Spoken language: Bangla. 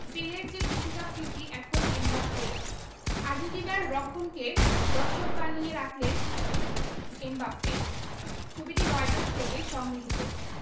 পেলের যে বিশ্বকাপ কীর্তি এখন এমবাপ্পেরও আর্জেন্টিনার রক্ষণকে দর্শক বানিয়ে রাখলেন এমবাপ্পে ছবিটি রয়টার্স থেকে সংগৃহীত